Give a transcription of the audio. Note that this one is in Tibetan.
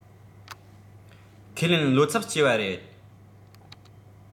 ཁས ལེན བློ འཚབ སྐྱེ བ རེད